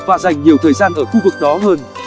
và dành nhiều thời gian ở khu vực đó hơn